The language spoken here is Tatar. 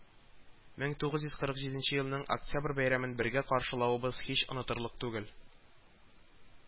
Мең тугыз йөз кырык җиденче елның октябрь бәйрәмен бергә каршылавыбыз һич онытырлык түгел